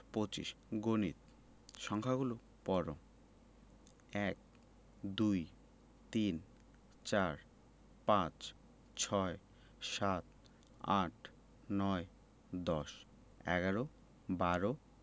২৫ গণিত সংখ্যাগুলো পড়ঃ ১ - এক ২ - দুই ৩ - তিন ৪ – চার ৫ – পাঁচ ৬ - ছয় ৭ - সাত ৮ - আট ৯ - নয় ১০ – দশ ১১ - এগারো ১২ - বারো